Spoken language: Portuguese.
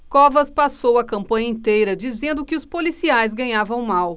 covas passou a campanha inteira dizendo que os policiais ganhavam mal